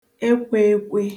ekwēēkwē